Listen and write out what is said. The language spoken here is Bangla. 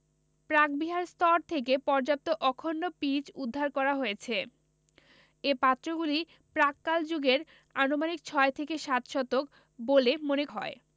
প্রাকবিহার স্তর থেকে পর্যাপ্ত অখন্ড পিরিচ উদ্ধার করা হয়েছে এ পাত্রগুলি প্রাক্কাল যুগের আনুমানিক ছয় থেকে সাত শতক বলে মনে হয়